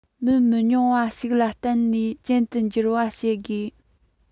མི མི ཉུང བ ཞིག ལ བརྟེན ནས ཅན དུ འགྱུར བ བྱེད དགོས